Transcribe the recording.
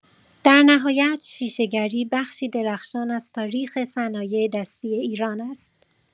در نهایت شیشه‌گری بخشی درخشان از تاریخ صنایع‌دستی ایران است.